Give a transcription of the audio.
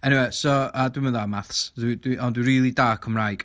Eniwe so, a dwi'm yn dda yn maths, dw- dwi... on- ond dwi'n rili da Cymraeg.